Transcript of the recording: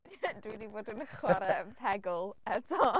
Ie...Dwi wedi bod yn chwarae Peggle eto.